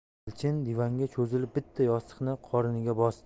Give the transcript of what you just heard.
elchin divanga cho'zilib bitta yostiqni qorniga bosdi